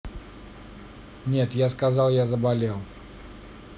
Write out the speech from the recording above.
нет я сказал я заболел